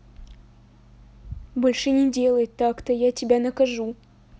больше не делай так то я тебя накажу